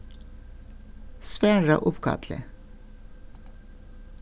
svara uppkalli